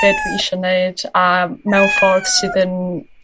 be' dwi isio neud a mewn ffordd sydd yn